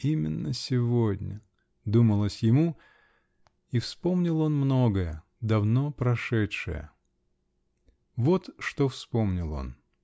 именно сегодня?" -- думалось ему, и вспомнил он многое, давно прошедшее. Вот что вспомнил он.